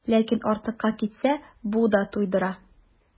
Ләкин артыкка китсә, бу да туйдыра.